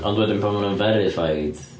Ond wedyn pan ma' hwnna'n verified...